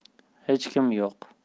xech kim yo'q